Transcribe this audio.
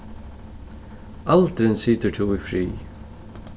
aldrin situr tú í frið